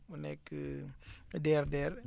mu nekk DRDR